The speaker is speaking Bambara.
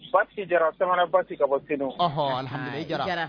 Ba jara sabanan batigi ka bɔ sen